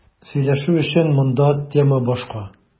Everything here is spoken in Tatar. Сөйләшү өчен монда тема башка.